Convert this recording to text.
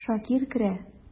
Шакир керә.